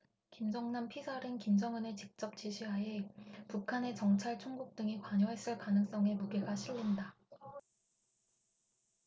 김정남 피살은 김정은의 직접 지시 하에 북한의 정찰총국 등이 관여했을 가능성에 무게가 실린다